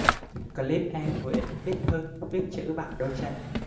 clip em nguyễn viết hưng viết chữ bằng đôi chân